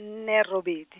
nne robedi.